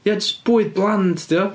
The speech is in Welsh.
Ia, jyst bwyd bland 'di o.